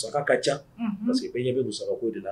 Masakɛ ka ca masakɛ ɲɛ bɛ muko de la